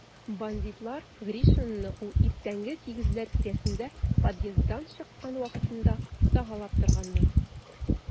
Бандитлар Гришинны ул иртәнге сигезләр тирәсендә подъезддан чыккан вакытында сагалап торганнар.